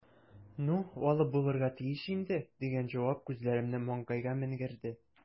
"ну, алып булырга тиеш инде", – дигән җавап күзләремне маңгайга менгерде.